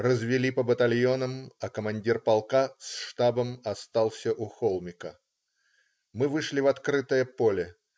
Развели по батальонам, а командир полка с штабом остался у холмика. Мы вышли в открытое поле.